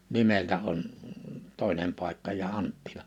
nimeltä on toinen paikka ja Anttila